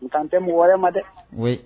N kan tɛ mɔgɔ wɛrɛ ma dɛ oui